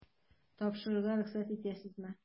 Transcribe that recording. Тапшырырга рөхсәт итәсезме? ..